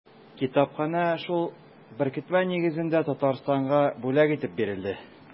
Китапханә шул беркетмә нигезендә Татарстанга бүләк итеп бирелде.